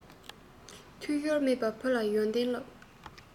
འཐུས ཤོར མེད པར བུ ལ ཡོན ཏན སློབས